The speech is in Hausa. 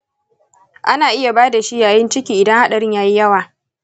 ana iya ba da shi yayin ciki idan haɗarin ya yi yawa.